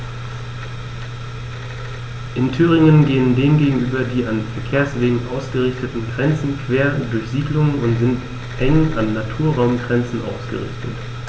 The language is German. In Thüringen gehen dem gegenüber die an Verkehrswegen ausgerichteten Grenzen quer durch Siedlungen und sind eng an Naturraumgrenzen ausgerichtet.